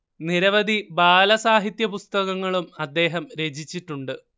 നിരവധി ബാലസാഹിത്യ പുസ്തകങ്ങളും അദ്ദേഹം രചിച്ചിട്ടുണ്ട്